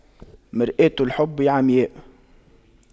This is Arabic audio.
مرآة الحب عمياء